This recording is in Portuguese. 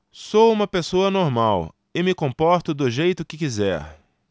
sou homossexual e me comporto do jeito que quiser